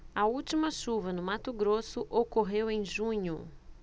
a última chuva no mato grosso ocorreu em junho